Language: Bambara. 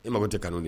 E mako tɛ kanu di